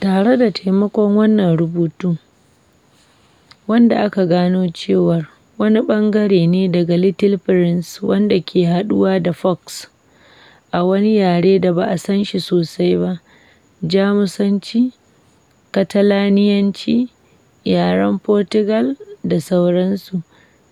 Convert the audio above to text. Tare da taimakon wannan rubutun (wanda aka gano cewa wani ɓangare ne daga Little Prince wanda ke haɗuwa da fox) a wani yare da ba a sanshi sosai ba (Jamusanci, Catalaniyanci, yaren Portugal, da sauransu)